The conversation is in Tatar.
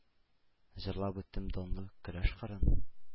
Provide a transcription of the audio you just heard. Җырлап үттем данлы көрәш кырын,